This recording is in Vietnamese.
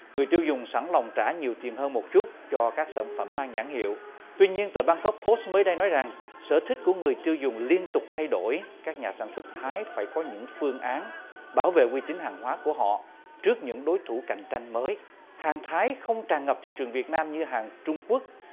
người tiêu dùng sẵn lòng trả nhiều tiền hơn một chút cho các sản phẩm mang nhãn hiệu tuy nhiên tờ băng cốc bót mới đây nói rằng sở thích của người tiêu dùng liên tục thay đổi các nhà sản xuất thái phải có những phương án bảo vệ uy tín hàng hóa của họ trước những đối thủ cạnh tranh mới hăng hái không tràn ngập thị trường việt nam như hàng trung quốc